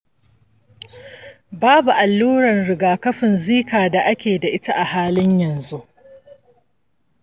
babu allurar rigakafin zika da ake da ita a halin yanzu.